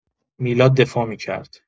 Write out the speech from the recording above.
میلاد دفاع می‌کرد.